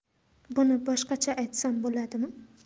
buni boshqacha aytsa bo'ladimi